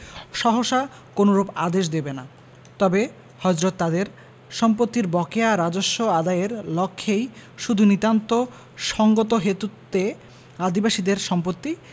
সহসা কোনরূপ আদেশ দেবেনা তবে হযরত তাদের সম্পত্তির বকেয়া রাজস্ব আদায়ের লক্ষেই শুধু নিতান্ত সঙ্গতহেতুতে আদিবাসীদের সম্পত্তি